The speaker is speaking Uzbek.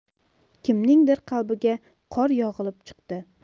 kimningdir qalbiga qor yog'ilib chiqdi